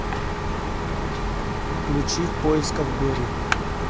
включи в поисках дори